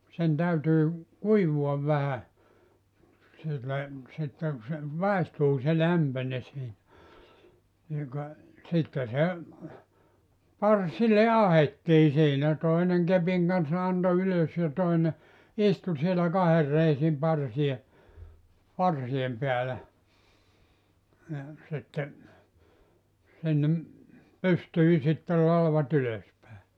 sen täytyy kuivua vähän sille sitten kun se maistuu se lämpöinen siinä niin ka sitten se parsille ahdettiin siinä toinen kepin kanssa antoi ylös ja toinen istui siellä kahden reisin parsia parsien päällä niin sitten sinne pystyi sitten latvat ylös päin